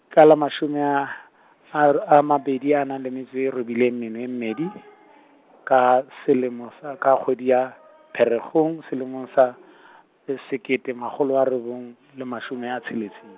ka la mashome a a r- a mabedi a nang le metso robileng meno e mmedi, ka, selemo sa ka kgwedi ya, Pherekgong selemong sa , sekete makgolo a robong, le mashome a tsheletseng.